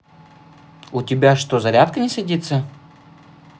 у тебя что зарядка не садится